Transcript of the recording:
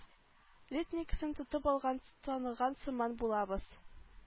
Ритмикасын тотып алган таныган сыман булабыз